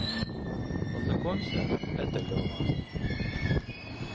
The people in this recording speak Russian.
познакомься это лева